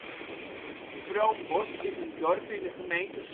Froombosch is een dorp in de gemeente